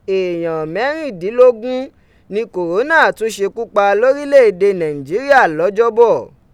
Eeyan mẹrindinlogun ni kòrónà tun ṣekupa lorilẹ ede Naijiria lọjọbọ.